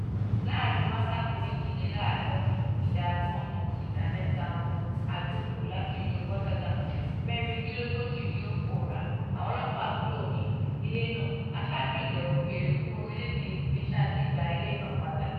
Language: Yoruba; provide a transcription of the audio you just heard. Láàárín wákàtí 72, ìdá kan nínú ìdá mẹ́ta àwọn àjúfù láti rue Botzaris 36 ni ó pòórá, àwọn ọlọ́pàá kúrò ní ilé náà aṣojú ilẹ̀ òkèèrè fún orílẹ̀ èdè (Tunisia) sì gba ilé náà padà.